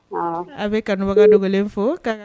Aw bɛ kanubaga dogolen fo